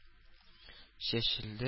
Чәчелде